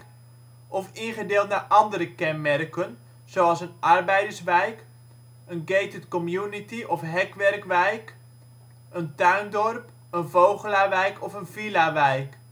Ingedeeld naar andere kenmerken Arbeiderswijk Gated community of hekwerkwijk Tuindorp Vogelaarwijk Villawijk